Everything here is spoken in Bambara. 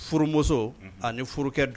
Furumuso ani furukɛ dɔn